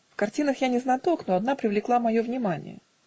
В картинах я не знаток, но одна привлекла мое внимание.